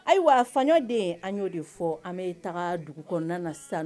Ayiwa a faɲɔo de an y'o de fɔ an bɛ taga dugu kɔnɔ sa